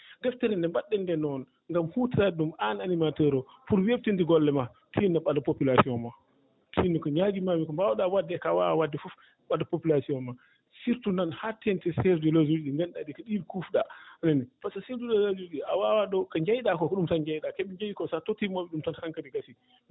deftere nde mbaɗɗen ndee noon ngam huutoraade ɗum aan animateur oo pour weɓtinde golle maa tiinno ɓado population maa tiinno ko ñaagimaami ko mbaawɗaa wadde e ko a waawaa wadde fof ɓado population maa surtout noon haa teeŋti e chef de village uji ɗii ɗi ngannduɗaa ɗi ko ɗiin kuufɗaa a nanii par ce que chef de village uuji ɗii a waawaa ɗoo ko njeyɗaa ko ko ɗum tan njeyɗaa ko ɓe njeyi koo so a tottiima ɓe ɗum tan han kadi gasii